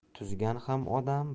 tuzgan ham odam